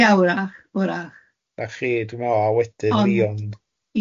Ie, w'rach, w'rach. Dach chi, dwi'n meddwl, a wedyn Lyon. Ond ia.